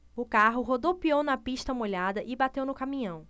o carro rodopiou na pista molhada e bateu no caminhão